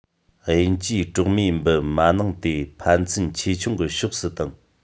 དབྱིན ཇིའི གྲོག མའི འབུ མ ནིང དེ ཕན ཚུན ཆེ ཆུང གི ཕྱོགས སུ དང